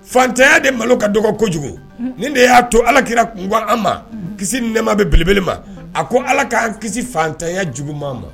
Fatanya de malo ka dɔgɔ kojugu ni de y'a to alakira kun an ma kisi nɛma bɛelebele ma a ko ala k'an kisi fatanya jugu maa ma